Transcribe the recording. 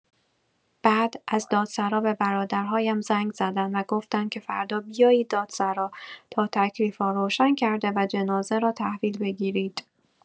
بعد، از دادسرا به برادرهایم زنگ زدند و گفتند که فردا بیایید دادسرا تا تکلیف را روشن کرده و جنازه را تحویل بگیرید.